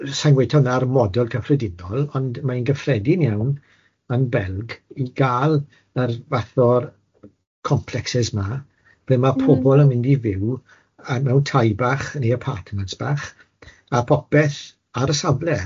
sa i'n gweud taw na'r model cyffredinol ond mae'n gyffredin iawn yn Belg i ga'l yr fath o'r complexes 'ma lle ma' pobol yn mynd i fyw mewn tai bach neu apartments bach a popeth ar y safle.